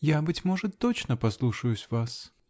Я, быть может, точно послушаюсь вас.